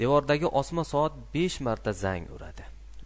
devordagi osma soat besh marta zang uradi